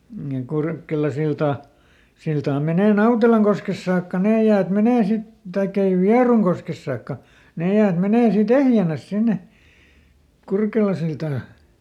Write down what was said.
ja Kurkelansilta siltaa menee Nautelankoskessa saakka ne jäät menee sitten tai ei Vierunkoskessa saakka ne jäät menee siitä ehjänä sinne Kurkelansiltaan